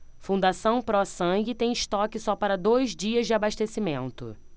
fundação pró sangue tem estoque só para dois dias de abastecimento